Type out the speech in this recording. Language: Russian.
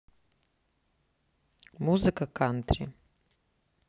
музыка кантри